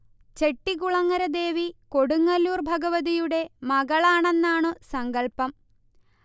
ചെട്ടികുളങ്ങര ദേവി കൊടുങ്ങല്ലൂർ ഭഗവതിയുടെ മകളാണെന്നാണു സങ്കല്പം